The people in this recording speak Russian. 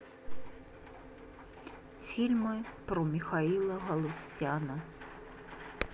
фильмы про михаила галустяна